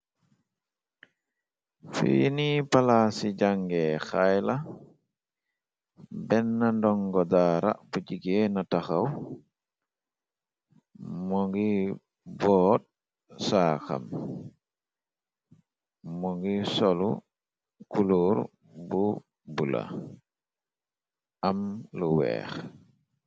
Fiini palaa ci jàngee xaayla benna ndongo dara rapp jigée na taxaw mo ngi bort saaxam mo ngi solu kulóor bu bula am lu weex.